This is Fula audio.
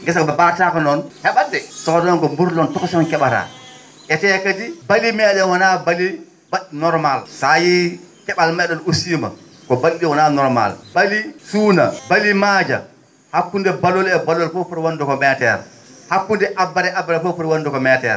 gesa mba baataaka noon he?at de kono noon ko buraloñ tokasoñ ke?ataa e te kadi bali mee?en wonaa bali ba??i normal so a yiyii ke?al mee?en ustiima ko bali ?ii wonaa normal bali suuna bali maaja hakkunde balol e balol fof foti wonde ko meter hakkunde abbere abbere fof foti wonde ko meter